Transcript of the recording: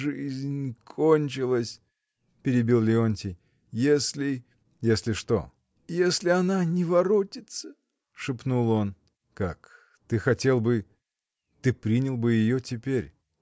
— Жизнь кончилась, — перебил Леонтий, — если. — Если что? — Если она. не воротится. — шепнул он. — Как, ты хотел бы. ты принял бы ее теперь!.